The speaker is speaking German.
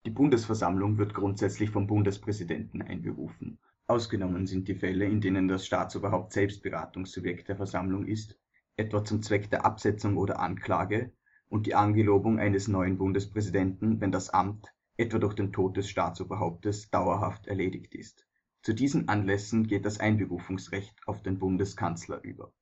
Bundesversammlung wird grundsätzlich vom Bundespräsidenten einberufen. Ausgenommen sind die Fälle in denen das Staatsoberhaupt selbst Beratungssubjekt der Versammlung ist - etwa zum Zweck der Absetzung oder Anklage - und die Angelobung eines neuen Bundespräsidenten, wenn das Amt - etwa durch den Tod des Staatsoberhauptes - dauerhaft erledigt ist. Zu diesen Anlässen geht das Einberufungsrecht auf den Bundeskanzler über